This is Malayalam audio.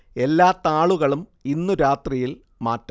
എല്ലാ താളുകളും ഇന്നു രാത്രിയിൽ മാറ്റാം